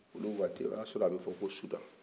olu waati o ya sɔrɔ a bɛ fɔ ko sudan